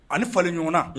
Ani falenɲɔgɔnna